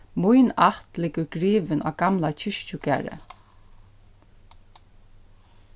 mín ætt liggur grivin á gamla kirkjugarði